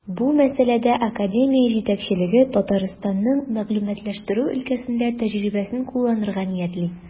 Бу мәсьәләдә академия җитәкчелеге Татарстанның мәгълүматлаштыру өлкәсендә тәҗрибәсен кулланырга ниятли.